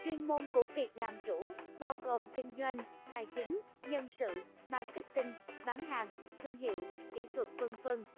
chuyên môn của việc làm chủ bao gồm kinh doanh tài chính nhân sự marketing bán hàng thương hiệu kỹ thuật